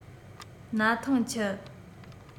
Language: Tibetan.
ན ཐང ཆད